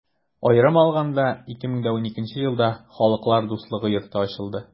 Аерым алаганда, 2012 нче елда Халыклар дуслыгы йорты ачылды.